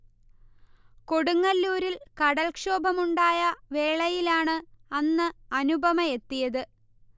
കൊടുങ്ങല്ലൂരിൽ കടൽക്ഷോഭമുണ്ടായ വേളയിലാണ് അന്ന് അനുപമയെത്തിയത്